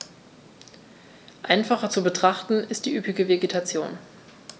Einfacher zu betrachten ist die üppige Vegetation.